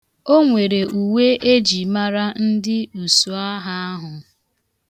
O nwere uwe e ji mara ndị usuagha ahụ.